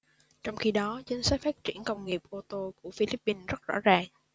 trong khi đó chính sách phát triển công nghiệp ô tô của philippines rất rõ ràng